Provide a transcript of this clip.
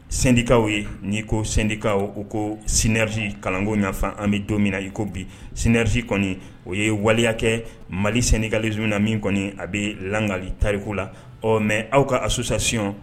Sendikakaw ye n'i ko sendikaw u ko sinanriti kalango ɲɛfan an bɛ don min na i ko bireriti kɔni o ye waliya kɛ mali senniika z na min kɔni a bɛ lagali tariku la ɔ mɛ aw ka a susasiɔn